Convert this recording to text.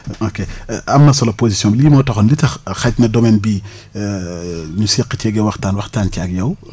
ok am na solo position bi lii moo taxoon li nga xaj na domaine bii ñu seq ceeg yow waxtaan waxtaan ci ak yow